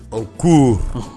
On court ɔnh